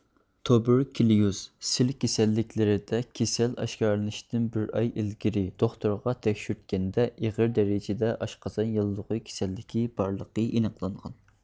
توبىركېليۇز سىل كېسەللىكلىرىدە كېسەللىك ئاشكارىلىنىشتىن بىر ئاي ئىلگىرى دوختۇرغا تەكشۈرتكەندە ئېغىر دەرىجىدە ئاشقازان ياللوغى كېسەللىكى بارلىقى ئېنىقلانغان